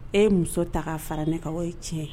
E muso ta fara ne ka o ye tiɲɛ ye